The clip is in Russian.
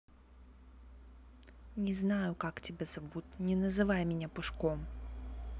не знаю как тебя зовут не называй меня пушком